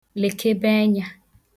lèkebe enyā